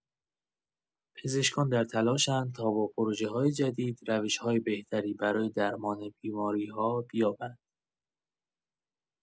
پزشکان در تلاش‌اند تا با پژوهش‌‌های جدید، روش‌های بهتری برای درمان بیماری‌ها بیابند.